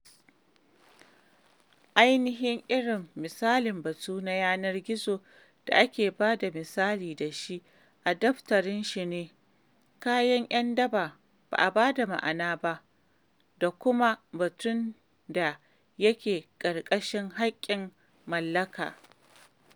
Ainihin irin misalin batu na yanar gizo da aka ba da misali da shi a daftarin shi ne ''kayan 'yan ta'adda' ( ba a ba da ma'na ba) da kuma batun da yake ƙarƙashin haƙƙin mallaka.